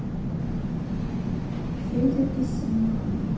и федя и сеня